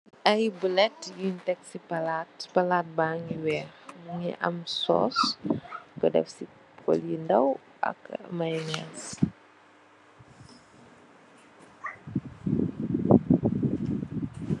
Ai bulet yun tek si palad ba ngi am weex mungi am sous defsi pu yu ndow ak mayonnaise.